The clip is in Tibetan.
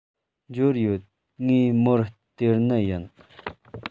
འབྱོར ཡོད ངས མོར སྟེར ནི ཡིན